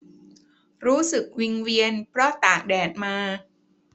รู้สึกวิงเวียนเพราะตากแดดมา